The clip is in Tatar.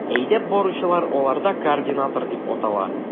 Әйдәп баручылар аларда координатор дип атала.